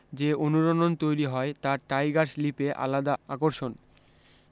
যে অনুরণণ তৈরী হয় তা টাইগারস লিপে আলাদা আকর্ষণ